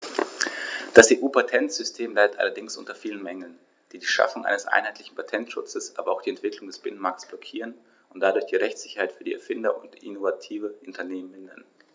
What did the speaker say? Das EU-Patentsystem leidet allerdings unter vielen Mängeln, die die Schaffung eines einheitlichen Patentschutzes, aber auch die Entwicklung des Binnenmarktes blockieren und dadurch die Rechtssicherheit für Erfinder und innovative Unternehmen mindern.